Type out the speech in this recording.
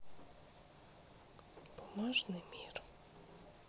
бумажный мир